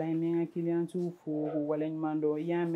Banenya kelensiw fo waleɲuman don yan